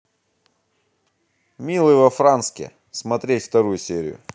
милый во франксе смотреть вторую серию